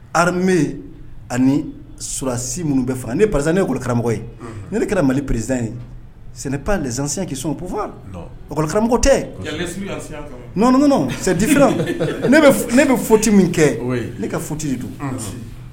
Ha bɛ ani sulasi minnu bɛ faa ne prez ne yeolo karamɔgɔ ye ne ne kɛra mali prez ye sɛnɛ lezsen ki sɔnpfa o tɛdifin ne bɛ foti min kɛ ne ka foyi de don